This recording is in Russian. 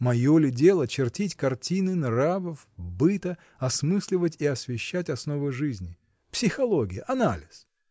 Мое ли дело чертить картины нравов, быта, осмысливать и освещать основы жизни! Психология, анализ!